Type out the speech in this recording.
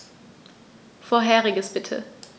Vorheriges bitte.